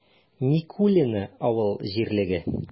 Микулино авыл җирлеге